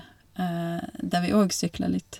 Der vi òg sykla litt.